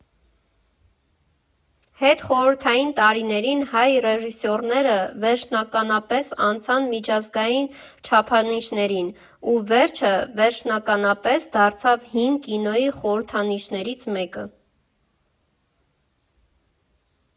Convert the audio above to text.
Հետխորհրդային տարիներին հայ ռեժիսորները վերջնականապես անցան միջազգային չափանիշներին, ու «Վերջը» վերջնականապես դարձավ հին կինոյի խորհրդանիշներից մեկը։